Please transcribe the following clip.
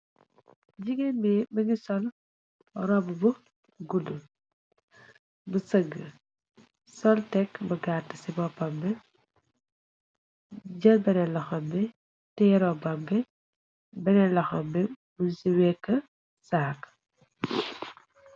Jigéen bi mungi sol rob bu gudd mu sëgg, sol tekk bu gatt ci boppam bi, jël benen loxambi té yerobag , benen loxambi mu ci wéek saak.